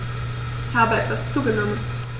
Ich habe etwas zugenommen